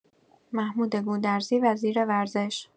محمود گودرزی وزیر ورزش